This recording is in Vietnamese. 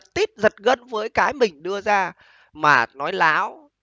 tít giật gân với cái mình đưa ra mà nói láo